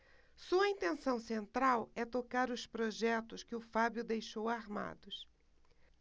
sua intenção central é tocar os projetos que o fábio deixou armados